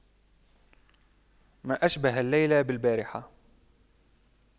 ما أشبه الليلة بالبارحة